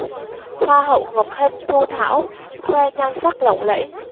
hoa hậu ngọc hân thu thảo khoe nhan sắc lộng lẫy